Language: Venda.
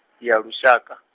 ya lushaka.